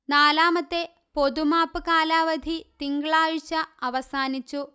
നാലാമത്തെ പൊതുമാപ്പ് കാലാവധി തിങ്കളാഴ്ച അവസാനിച്ചു